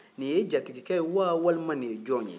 nin y'e jatigikɛ ye wa walima nin ye jɔn ye